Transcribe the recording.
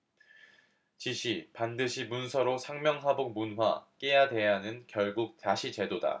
지시 반드시 문서로 상명하복 문화 깨야대안은 결국 다시 제도다